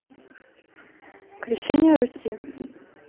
крещение руси